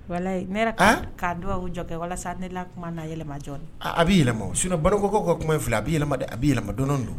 Walahi, Ne yɛrɛ k'a; An; K'a dugawu dɔ kɛ walasa ne ka kuma ka yɛlɛma dɔɔnni;A a bɛ yɛlɛma sinon Banikɔkaw ka kuma in filɛ,a bɛ a bɛ yɛlɛma dɔɔnni dɔɔnni